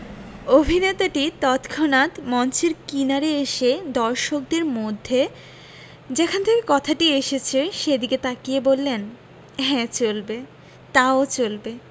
অভিনেতাটি তৎক্ষনাত মঞ্চের কিনারে এসে দর্শকদের মধ্যে যেখান থেকে কথাটি এসেছে সেদিকে তাকিয়ে বললেন হ্যাঁ চলবে তাও চলবে